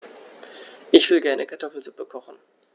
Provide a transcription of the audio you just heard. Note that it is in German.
Ich will gerne Kartoffelsuppe kochen.